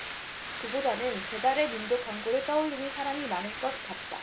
그보다는 배달의민족 광고를 떠올리는 사람이 많을 것 같다